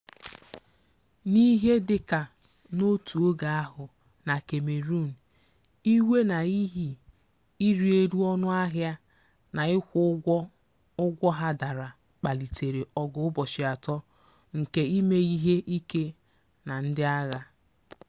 N'ihe dị ka n'otu oge ahụ na Cameroon, iwe n'ihi ịrị elu ọnụ ahịa na ịkwụ ụgwọ ụgwọ ha dara kpalitere ọgụ ụbọchị atọ nke ime ihe ike na ndị agha.